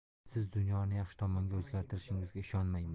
men siz dunyoni yaxshi tomonga o'zgartirishingizga ishonmayman